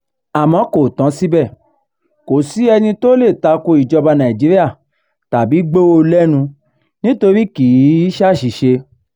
Àmọ́ kò tán síbẹ̀, kò sí ẹní tó lè tako ìjọba Nàìjíríà tàbí gbó o lẹ́nu nítorí kì í ṣ'àṣìṣe.